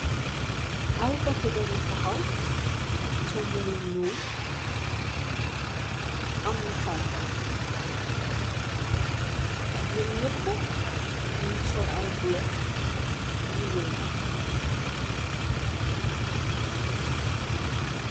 Aye taka deer tu takhaw sul lu nyul nyum nyepuh nyunge sul aye glove yu wekh